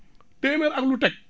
téeméer ak lu teg